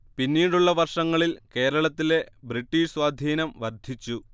പിന്നീടുള്ള വർഷങ്ങളിൽ കേരളത്തിലെ ബ്രിട്ടീഷ് സ്വാധീനം വർദ്ധിച്ചു